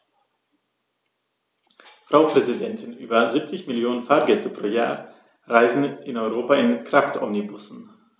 Frau Präsidentin, über 70 Millionen Fahrgäste pro Jahr reisen in Europa mit Kraftomnibussen.